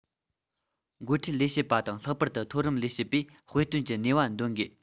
འགོ ཁྲིད ལས བྱེད པ དང ལྷག པར དུ མཐོ རིམ ལས བྱེད པས དཔེ སྟོན གྱི ནུས པ འདོན དགོས